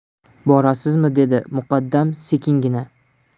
borasizmi dedi muqaddam sekingina